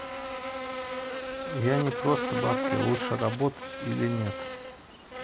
я не просто бабки лучше работать или нет